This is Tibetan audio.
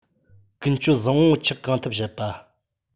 ཀུན སྤྱོད བཟང པོ ཆགས གང ཐུབ བྱེད པ